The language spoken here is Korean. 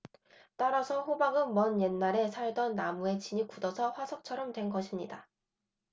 따라서 호박은 먼 옛날에 살던 나무의 진이 굳어서 화석처럼 된 것입니다